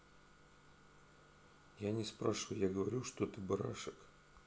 я не спрашиваю я говорю что ты барашек